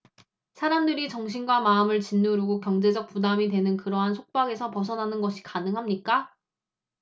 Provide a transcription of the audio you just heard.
사람들이 정신과 마음을 짓누르고 경제적 부담이 되는 그러한 속박에서 벗어나는 것이 가능합니까